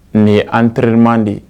Nin ye an entraînement de ye